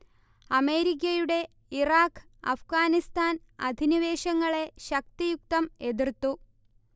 അമേരിക്കയുടെ ഇറാഖ് അഫ്ഗാനിസ്താൻ അധിനിവേശങ്ങളെ ശക്തിയുക്തം എതിർത്തു